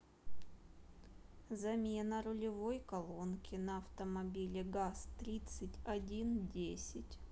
замена рулевой колонки на автомобиле газ тридцать один десять